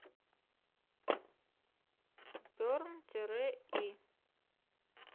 burn тире и